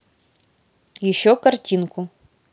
еще картинку